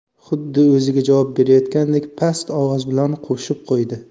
xuddi o'ziga javob berayotgandek past ovoz bilan qo'shib qo'ydi